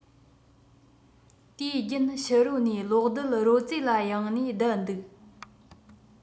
དུས རྒྱུན ཕྱི རོལ ནས གློག རྡུལ རོལ རྩེད ལ གཡེང ནས བསྡད འདུག